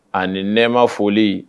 Ani ni nɛ ma foli